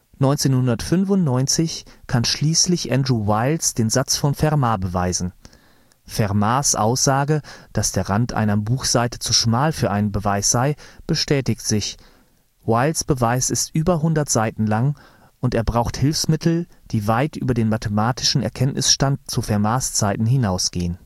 1995 kann schließlich Andrew Wiles den Satz von Fermat beweisen. Fermats Aussage, dass der Rand einer Buchseite zu schmal für einen Beweis sei, bestätigt sich: Wiles ' Beweis ist über 100 Seiten lang, und er braucht Hilfsmittel, die weit über den mathematischen Erkenntnisstand zu Fermats Zeiten hinausgehen